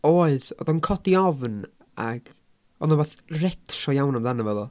Oedd. Oedd o'n codi ofn ac oedd 'na wbath retro iawn amdano fo ddo.